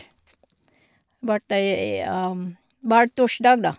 Vært der i hver torsdag, da.